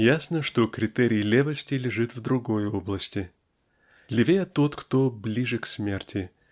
Ясно, что критерий "левости" лежит в другой области. "Левее" тот кто ближе к смерти